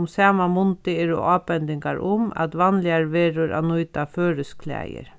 um sama mundið eru ábendingar um at vanligari verður at nýta føroysk klæðir